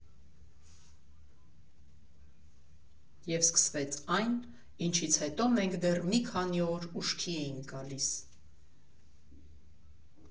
Եվ սկսվեց այն, ինչից հետո մենք դեռ մի քանի օր ուշքի էինք գալիս.